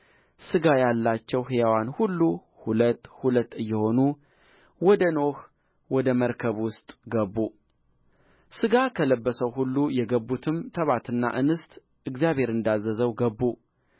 ሥጋ ያላቸው ሕያዋን ሁሉ ሁለት ሁለት እየሆኑ ወደ ኖኅ ወደ መርከብ ውስጥ ገቡ ሥጋ ከለበሰው ሁሉ የገቡትም ተባትና እንስት እግዚአብሔር እንዳዘዘው ገቡ